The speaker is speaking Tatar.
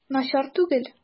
Начар түгел.